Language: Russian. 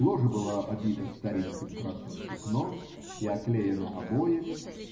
Ложа была обита стареньким красным сукном и оклеена обоями.